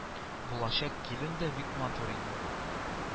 Булачак килен дә бик матур иде